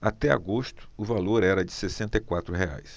até agosto o valor era de sessenta e quatro reais